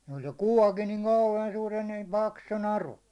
siinä oli se kuvakin niin kauhean suuri ja niin paksu se naru